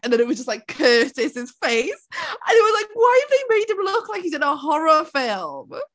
and then it was just like Curtis' face! And it was like "Why have they made him look like he's in a horror film?"